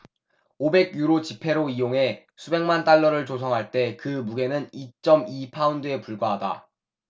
오백 유로 지폐로 이용해 수백만 달러를 조성할 때 그 무게는 이 쩜 이 파운드에 불과하다